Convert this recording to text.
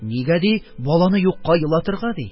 Нигә, ди, баланы юкка елатырга, - ди.